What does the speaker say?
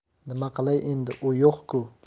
nima qilay endi u yo'q ku